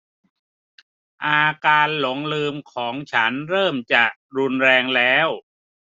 อาการหลงลืมของฉันเริ่มจะรุนแรงแล้ว